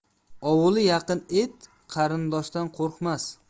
ovuli yaqin it qashqirdan qo'rqmas